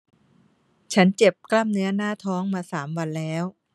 ฉันเจ็บกล้ามเนื้อหน้าท้องมาสามวันแล้ว